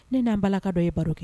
Ne n'an balalaka dɔ ye baro kɛ